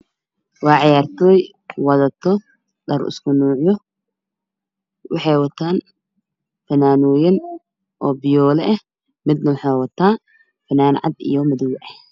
Waa ciyaartoy wadato dhar isku eg waxay wataan fanaanado caddaan